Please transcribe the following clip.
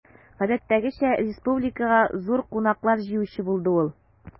Гадәттәгечә, республикага зур кунаклар җыючы булды ул.